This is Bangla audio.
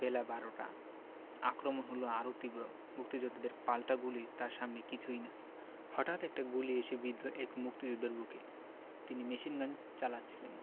বেলা বারোটা আক্রমণ হলো আরও তীব্র মুক্তিযোদ্ধাদের পাল্টা গুলি তার সামনে কিছুই না হতাৎ একটা গুলি এসে বিঁধল এক মুক্তিযোদ্ধার বুকে তিনি মেশিনগান চালাচ্ছিলেন